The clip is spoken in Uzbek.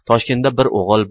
toshkentda bir o'g'il